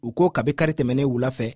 u ko kabi kari tɛmɛnen wula fɛ